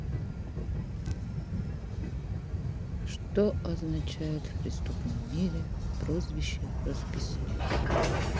что означает в преступном мире прозвище расписной